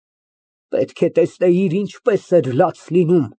Դու չափահաս օրիորդ ես, պետք է հասկանաս, որ չունիս իրավունք սիրելու քո հարազատ ծնողի զրպարտչին։